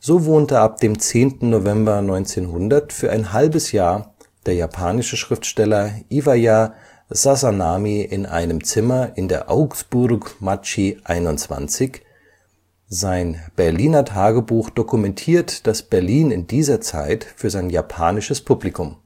So wohnte ab dem 10. November 1900 für ein halbes Jahr der japanische Schriftsteller Iwaya Sazanami in einem Zimmer in der Augusuburuku machi 21, sein " Berliner Tagebuch " dokumentiert das Berlin dieser Zeit für sein japanisches Publikum